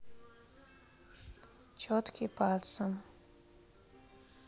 четкий паца